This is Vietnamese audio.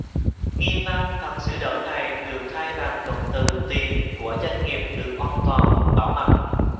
nguyên văn phần sửa đổi này được thay bằng cụm từ tiền của doanh nghiệp được an toàn bảo mật